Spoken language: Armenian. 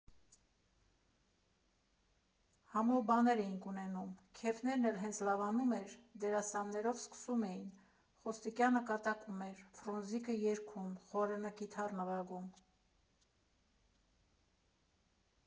Համով բաներ էինք ունենում, քեֆներն էլ հենց լավանում էր, դերասաններով սկսում էին՝ Խոստիկյանը կատակում էր, Ֆրունզիկը՝ երգում, Խորենը՝ կիթառ նվագում։